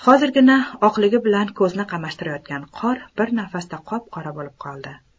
hozirgina oqligi bilan ko'zni qamashtirayotgan qor bir nafasda qop qora bo'lib qoldi